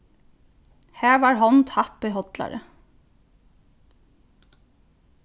har var hond happi hollari